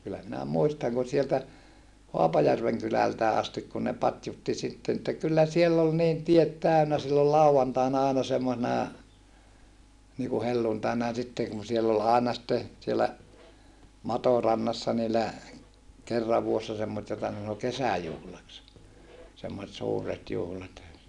kyllä minä muistan kun sieltä Haapajärven kylältäkin asti kun ne patjutti sitten että kyllä siellä oli niin tiet täynnä silloin lauantaina aina semmoisena niin kuin helluntaina ja sitten kun siellä oli aina sitten siellä Matorannassa niillä kerran vuodessa semmoista jota ne sanoi kesäjuhlaksi semmoiset suuret juhlat